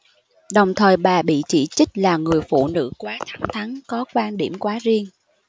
đồng thời bà bị chỉ trích là người phụ nữ quá thẳng thắn có quan điểm quá riêng